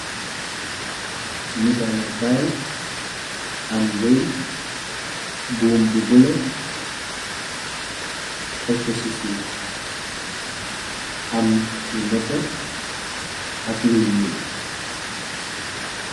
nitaale kaay am weñ buum bu bëla ekoci suuf am lu nete ak lu ñuul